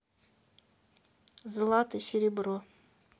злато серебро